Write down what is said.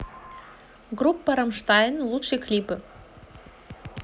группа раммштайн лучшие клипы